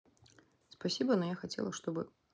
спасибо но я хотела чтобы